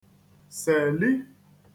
sèli